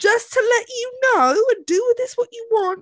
just to let you know, and do with this what you want...